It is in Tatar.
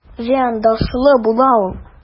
Зыяндашлы бала ул...